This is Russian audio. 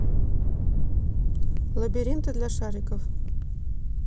лабиринты для шариков